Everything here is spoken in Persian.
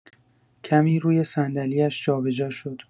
کمی روی صندلی‌اش جابجا شد.